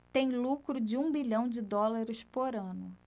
tem lucro de um bilhão de dólares por ano